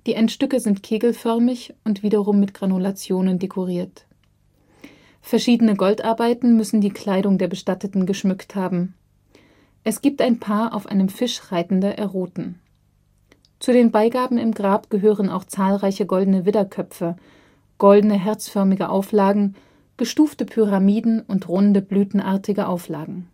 Endstücke sind kegelförmig und wiederum mit Granulationen dekoriert. Verschiedene Goldarbeiten müssen die Kleidung der Bestatteten geschmückt haben. Es gibt ein Paar auf einem Fisch reitenden Eroten. Zu den Beigaben im Grab gehören auch zahlreiche goldene Widderköpfe, goldene herzförmige Auflagen, gestufte Pyramiden und runde blütenartige Auflagen